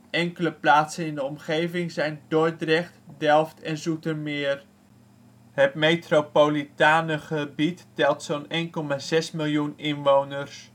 Enkele plaatsen in de omgeving zijn: Dordrecht, Delft, Zoetermeer. Het metropolitane gebied telt zo 'n 1.600.000 inwoners